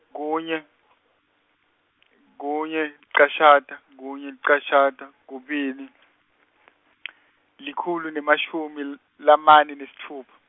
kunye kunye licashata kunye licashata kubili , likhulu nemashumi l-, lamane nesitfupha.